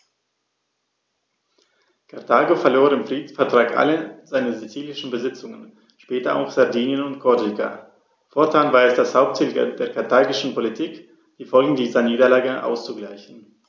Karthago verlor im Friedensvertrag alle seine sizilischen Besitzungen (später auch Sardinien und Korsika); fortan war es das Hauptziel der karthagischen Politik, die Folgen dieser Niederlage auszugleichen.